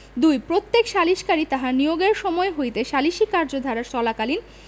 ২ প্রত্যেক সালিসকারী তাহার নিয়োগের সময় হইতে সালিসী কার্যধারা চলাকালীন